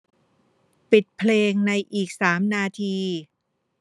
ปิดเพลงในอีกสามนาที